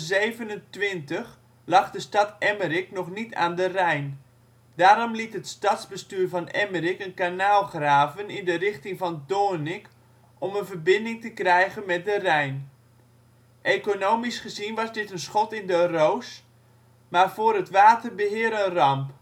1227 lag de stad Emmerik nog niet aan de Rijn. Daarom liet het stadsbestuur van Emmerik een kanaal graven in de richting van Doornik om een verbinding te krijgen met de Rijn. Economisch gezien was dit een schot in de roos, maar voor het waterbeheer een ramp